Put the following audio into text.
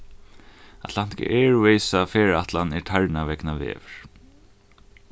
atlantic airwaysa ferðaætlan er tarnað vegna veður